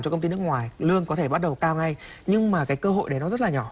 cho công ty nước ngoài lương có thể bắt đầu cao ngay nhưng mà cái cơ hội đấy nó rất là nhỏ